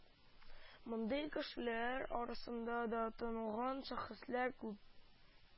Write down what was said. Мондый кешеләр арасында да танылган шәхесләр күп